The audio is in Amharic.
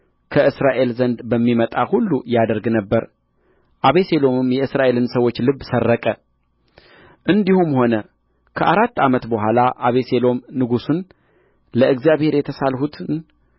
ከእስራኤል ዘንድ በሚመጣ ሁሉ ያደርግ ነበር አቤሴሎምም የእስራኤልን ሰዎች ልብ ሰረቀ እንዲህም ሆነ ከአራት ዓመት በኋላ አቤሴሎም ንጉሡን ለእግዚአብሔር የተሳልሁትን